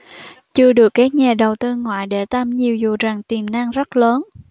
chưa được các nhà đầu tư ngoại để tâm nhiều dù rằng tiềm năng rất lớn